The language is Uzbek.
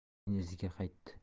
keyin iziga qaytdi